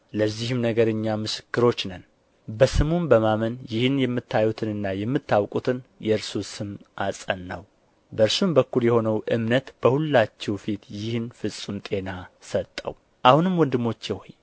ለዚህም ነገር እኛ ምስክሮች ነን በስሙም በማመን ይህን የምታዩትንና የምታውቁትን የእርሱ ስም አጸናው በእርሱም በኩል የሆነው እምነት በሁላችሁ ፊት ይህን ፍጹም ጤና ሰጠው አሁንም ወንድሞቼ ሆይ